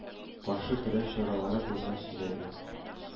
Каршы көрәш чаралары турында сөйләде